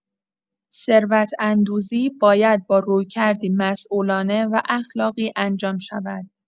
ثروت‌اندوزی باید با رویکردی مسئولانه و اخلاقی انجام شود.